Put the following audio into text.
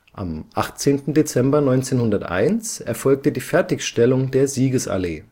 Am 18. Dezember 1901 erfolgte die Fertigstellung der Siegesallee